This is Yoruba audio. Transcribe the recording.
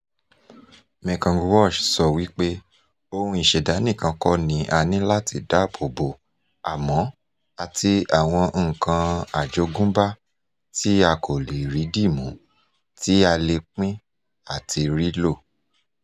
Mekong Watch sọ wípé ohun ìṣẹ̀dá nìkan kọ́ ni a ní láti dáàbò bò àmọ́ àti àwọn "nǹkan àjogúnbá tí-a-kò-le-è-rí-dìmú" tí a lè pín àti rí lò.